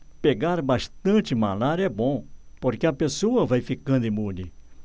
pegar bastante malária é bom porque a pessoa vai ficando imune